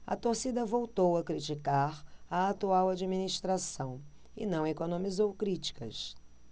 a torcida voltou a criticar a atual administração e não economizou críticas